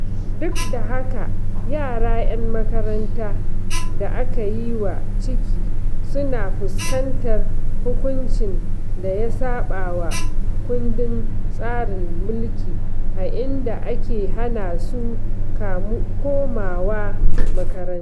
Duk da haka, yara 'yan makaranta da aka yi wa ciki suna fuskantar hukuncin da ya saɓawa kundin tsarin mulki a inda ake hana su komawa makaranta.